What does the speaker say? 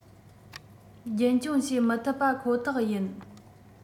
རྒྱུན འཁྱོངས བྱེད མི ཐུབ པ ཁོ ཐག ཡིན